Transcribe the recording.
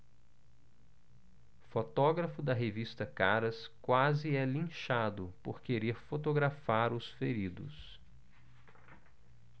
fotógrafo da revista caras quase é linchado por querer fotografar os feridos